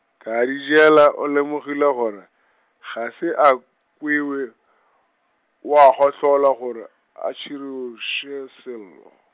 Kadijela o lemogile gore, ga se a kwewe, oa gohlola gore, a tširoše Sello.